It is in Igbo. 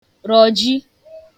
rọjī